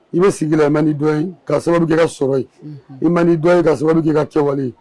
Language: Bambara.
I bɛ sigi la i man di dɔ ye. Ka sababu kɛ i ka sɔrɔ ye . I man di dɔ ye ka sababu kɛ i ka kɛwale ye